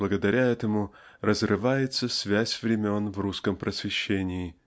благодаря этому разрывается связь времен в русском просвещении